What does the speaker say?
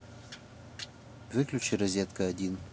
выключи розетка один